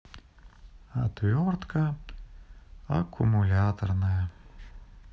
отвертка аккумуляторная